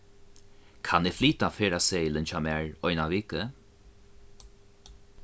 kann eg flyta ferðaseðilin hjá mær eina viku